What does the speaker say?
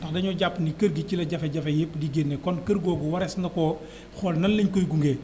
ndax dañoo jàpp ni kër gi ci la jafe-jafe yëpp di génnee kon kër googu warees na koo xool nan lañu koy gungee